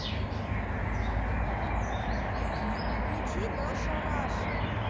включи наша раша